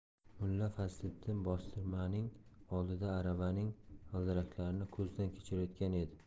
mulla fazliddin bostirmaning oldida aravaning g'ildiraklarini ko'zdan kechirayotgan edi